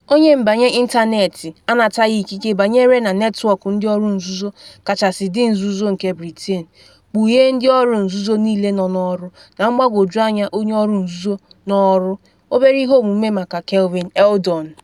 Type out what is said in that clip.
Onye nbanye ịntanetị anataghị ikike banyere na netwọk ndị ọrụ nzuzo kachasị dị nzuzo nke Britain, kpughee ndị ọrụ nzuzo niile nọ n’ọrụ, na mgbagwoju anya onye ọrụ nzuzo nọ ọrụ - obere ihe omume maka Kelvin Eldon.